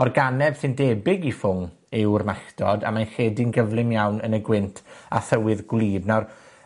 organedd sy'n debyg i ffwng yw'r malltod, a mae lledu'n gyflym iawn yn y gwynt a thywydd gwlyb. Nawr,